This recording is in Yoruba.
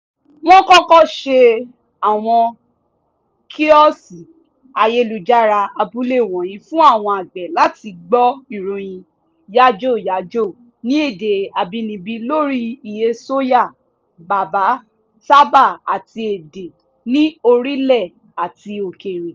Wọ́n kọ́kọ́ ṣe àwọn kíọ́ọ̀sì ayélujára abúlé wọ̀nyí fún àwọn àgbẹ̀ láti gbọ́ ìròyìn yàjóyàjó ní èdè abínibí lórí ìyè sóyà, bàbà, tábà àti èdè ní orílẹ̀ àti òkèèrè.